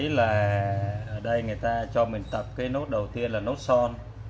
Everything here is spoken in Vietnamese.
người ta cho mình tập nốt đầu tiên là nốt g